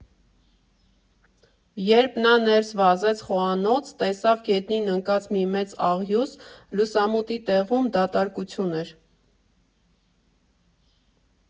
Երբ նա ներս վազեց խոհանոց, տեսավ գետնին ընկած մի մեծ աղյուս, լուսամուտի տեղում դատարկություն էր։